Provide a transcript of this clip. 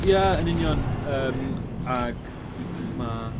Ie yn union yym ac dw- ma'...